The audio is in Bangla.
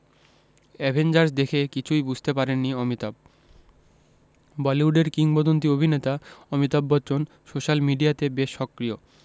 অ্যাভেঞ্জার্স দেখে কিছুই বুঝতে পারেননি অমিতাভ বলিউডের কিংবদন্তী অভিনেতা অমিতাভ বচ্চন সোশ্যাল মিডিয়াতে বেশ সক্রিয়